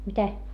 mitä